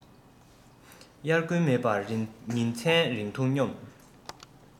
དབྱར དགུན མེད པར ཉིན མཚན རིང འཐུང སྙོམས